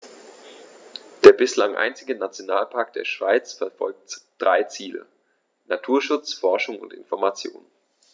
Der bislang einzige Nationalpark der Schweiz verfolgt drei Ziele: Naturschutz, Forschung und Information.